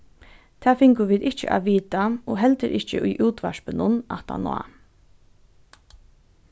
tað fingu vit ikki at vita og heldur ikki í útvarpinum aftaná